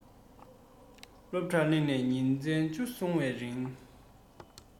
སློབ གྲྭར སླེབས ནས ཉིན གཞག བཅུ སོང བའི རིང